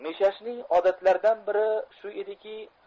mishashning odatlaridan biri shu ediki